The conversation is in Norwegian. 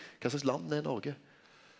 kva slags land er Noreg?